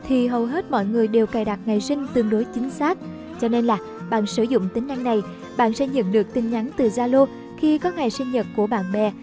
thì hầu hết mọi người đều cài đặt ngày sinh tương đối chính xác bạn sử dụng tính năng này bạn sẽ nhận được tin nhắn từ zalo khi có ngày sinh nhật của bạn bè